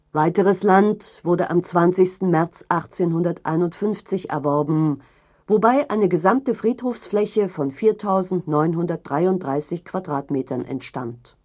Weiteres Land wurde am 20. März 1851 erworben, womit eine gesamte Friedhofsfläche von 4.933 m² entstand